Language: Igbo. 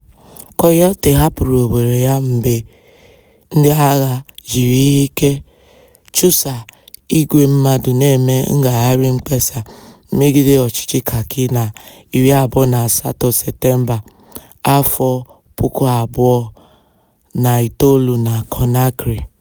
Kouyaté hapụrụ obodo ya mgbe ndịagha jiri ihe ike chụsaa ìgwè mmadụ na-eme ngagharị mkpesa megide ọchịchị Kaki na 28 Septemba 2009 na Conakry.